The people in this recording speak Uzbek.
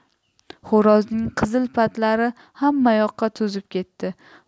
xo'rozning qizil patlari hammayoqqa to'zib ketdi